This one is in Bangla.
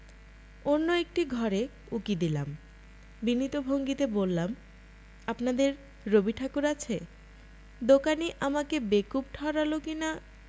অন্য একার্ট ঘরে উকি দিলাম বিনীত ভঙ্গিতে বললাম আপনাদের রবিঠাকুর আছে দোকানী অমিকে বেকুব ঠাওড়ালী কিনা